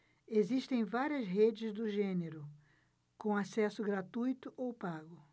existem várias redes do gênero com acesso gratuito ou pago